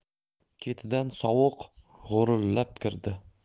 ketidan sovuq g'urillab kirdi